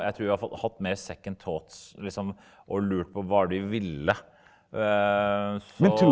jeg trur iallfall hatt mer liksom og lurt på hva var det vi ville så.